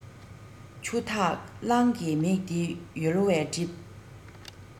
ཆུ འཐག གླང གི མིག དེ ཡོལ བས བསྒྲིབས